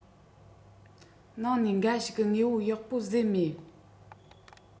ནང ནས འགའ ཞིག གིས དངོས པོ ཡག པོ བཟོས མེད